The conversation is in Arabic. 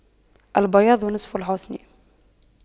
البياض نصف الحسن